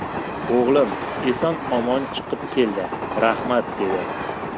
o'g'lim eson omon chiqib keldi rahmat dedi